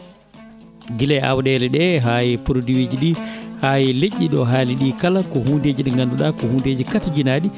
guila e awɗele ɗe haa e produit ji ɗi haa e leƴƴi ɗo haali ɗi kala ko hundeji ɗi ngannduɗaa ko hundeji katojinaɗi